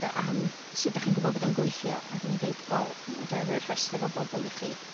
Yy am sut dach chi'n gwbod bod o'n gweithio, a dwi'n deud wel, medrai roi rhestyr o bobol i chi,